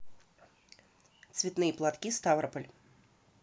цветные платки ставрополь